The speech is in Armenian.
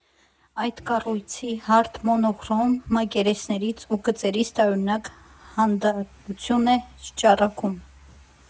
Այդ կառույցի հարթ, մոնոխրոմ մակերեսներից ու գծերից տարօրինակ հանդարտություն է ճառագում։